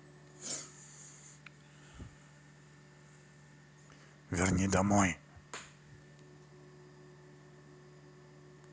верни домой